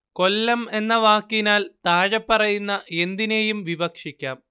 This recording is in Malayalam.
കൊല്ലം എന്ന വാക്കിനാൽ താഴെപ്പറയുന്ന എന്തിനേയും വിവക്ഷിക്കാം